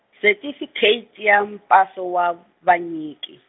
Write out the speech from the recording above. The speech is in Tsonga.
setifikheti ya mpaso wa vanyiki.